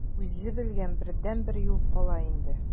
Үзе белгән бердәнбер юл кала инде.